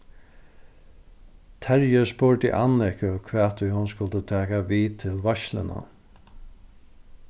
terji spurdi anniku hvat ið hon skuldi taka við til veitsluna